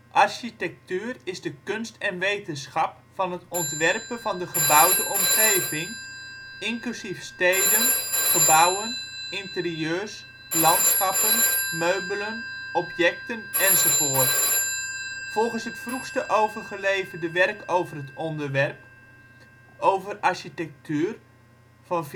Architectuur is de kunst en wetenschap van het ontwerpen van de gebouwde omgeving; inclusief steden, gebouwen, interieurs, landschap, meubelen, objecten enzovoort. Volgens het vroegste overgeleverde werk over het onderwerp, " Over architectuur " van Vitruvius